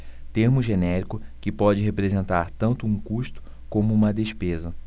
termo genérico que pode representar tanto um custo como uma despesa